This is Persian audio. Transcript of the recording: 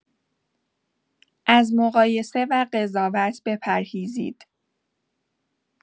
از مقایسه و قضاوت بپرهیزید!